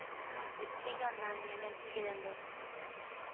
Үтте яннан, минем тирәләп.